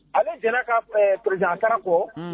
Ale jɛnɛ ka pka ko